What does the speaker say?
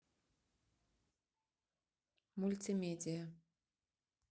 мультимедия